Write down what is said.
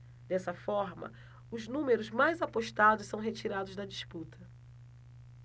dessa forma os números mais apostados são retirados da disputa